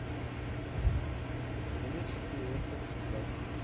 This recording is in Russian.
химические опыты для детей